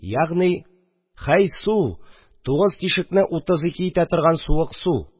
Ягъни , һәй су, тугыз тишекне утыз ике итә торган суык су!